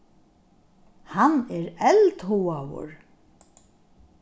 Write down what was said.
hann er eldhugaður